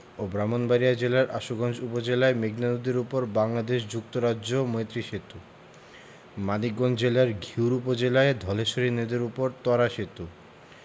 ও ব্রাহ্মণবাড়িয়া জেলার আশুগঞ্জ উপজেলায় মেঘনা নদীর উপর বাংলাদেশ যুক্তরাজ্য মৈত্রী সেতু মানিকগঞ্জ জেলার ঘিওর উপজেলায় ধলেশ্বরী নদীর উপর ত্বরা সেতু